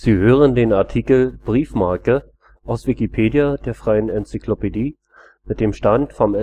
hören den Artikel Briefmarke, aus Wikipedia, der freien Enzyklopädie. Mit dem Stand vom